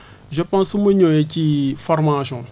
je pense su ma ñëwee ci formation bi